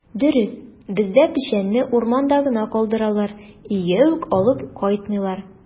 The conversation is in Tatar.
Дөрес, бездә печәнне урманда гына калдыралар, өйгә үк алып кайтмыйлар.